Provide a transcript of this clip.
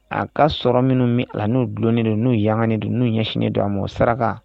A ka sɔrɔ minnu mi a la n'u dulonen don n'u yaŋanen don n'u ɲɛsinnen don a mɔ o saraka